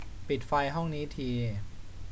ปิดไฟห้องนี้ที